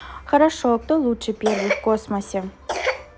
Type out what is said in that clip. хорошо а кто лучше первый в космосе